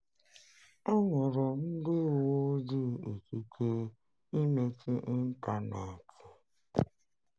E nyere ndị uwe ojii ikike imechi ịntaneetị